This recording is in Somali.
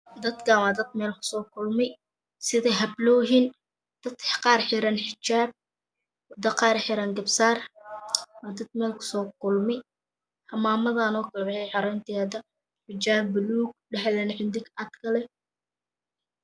Dadkan waa dad meel kusoo kulmay sida hablooyin dad qaar xiran xijaab dadka qaar xiran xijaab waa dad meel kuso kulmay maamadan hada waxay xirantahay xijaab buluug dhexdana xidig cad kuleh